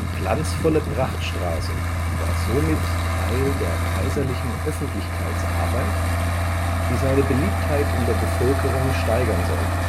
glanzvolle Prachtstraße war somit Teil der kaiserlichen Öffentlichkeitsarbeit, die seine Beliebtheit in der Bevölkerung steigern sollte